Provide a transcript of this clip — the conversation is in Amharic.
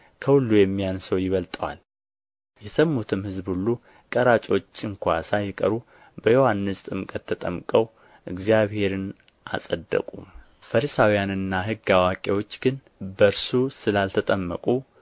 ከሁሉ የሚያንሰው ይበልጠዋል የሰሙትም ሕዝብ ሁሉ ቀራጮች እንኳ ሳይቀሩ በዮሐንስ ጥምቀት ተጠምቀው እግዚአብሔርን አጸደቁ ፈሪሳውያንና ሕግ አዋቂዎች ግን በእርሱ ስለ አልተጠመቁ